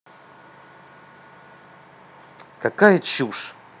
какая чушь